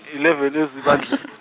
eleven uZibandlela.